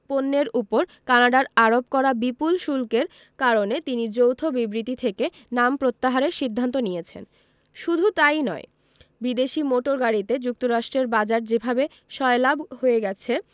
পণ্যের ওপর কানাডার আরোপ করা বিপুল শুল্কের কারণে তিনি যৌথ বিবৃতি থেকে নাম প্রত্যাহারের সিদ্ধান্ত নিয়েছেন শুধু তা ই নয় বিদেশি মোটর গাড়িতে যুক্তরাষ্ট্রের বাজার যেভাবে সয়লাব হয়ে গেছে